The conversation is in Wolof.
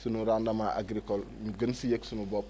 sunu rendement agricole ñu gën si yëg sunu bopp